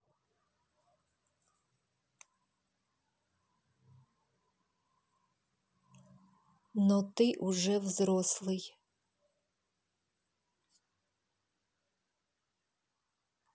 но ты уже взрослый